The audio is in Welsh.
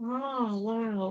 O, waw.